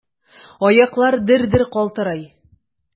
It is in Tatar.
Аяклар дер-дер калтырый.